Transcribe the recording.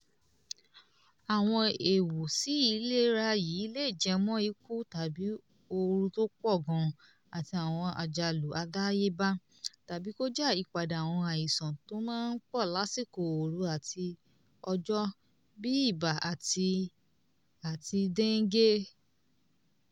Àwọn ewu sí ìlera yìí lè jẹmọ ikú tàbí ooru tó pọ gan àti awọn àjálù àdáyébá tàbí kó jẹ́ àyípadà àwọn aìsàn tó máá ń pọ̀ lásìkò ooru àti òjò, bíi ibà àti àti dẹ́ńgẹ̀.